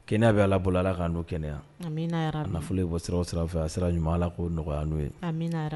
Kɛnɛ bɛ ala bolo ala ka don kɛnɛya nafolo ko sira sera ɲuman ko nɔgɔya n' ye